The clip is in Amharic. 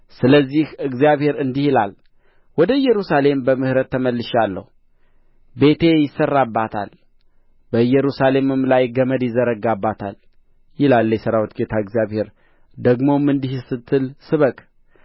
ስለዚህ እግዚአብሔር እንዲህ ይላል ወደ ኢየሩሳሌም በምሕረት ተመልሻለሁ ቤቴ ይሠራባታል በኢየሩሳሌምም ላይ ገመድ ይዘረጋበታል ይላል የሠራዊት ጌታ እግዚአብሔር ደግሞም እንዲህ ስትል ስበክ